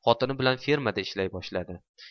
xotini bilan fermada ishlay boshladi